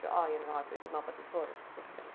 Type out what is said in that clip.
O, ia, 'na fo dwi dwi meddwl bod hi ffwrdd wsos nesa.